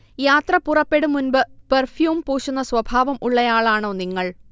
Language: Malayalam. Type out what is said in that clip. യാത്ര പുറപ്പെടും മുൻപ് പെർഫ്യൂം പൂശുന്ന സ്വഭാവം ഉള്ളയാളാണോ നിങ്ങൾ